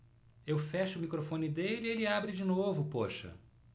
eu fecho o microfone dele ele abre de novo poxa